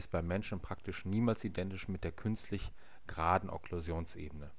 beim Menschen praktisch niemals identisch mit der künstlichen geraden Okklusionsebene